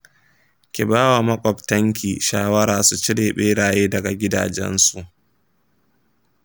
ki bawa makwabtanki shawara su cire beraye daga gidajensu.